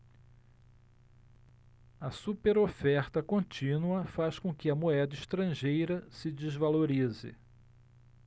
a superoferta contínua faz com que a moeda estrangeira se desvalorize